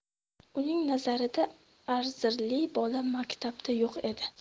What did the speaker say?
uning nazarida arzirli bola maktabda yo'q edi